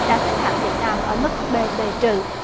đã xếp hạng việt nam ở mức bê bê trừ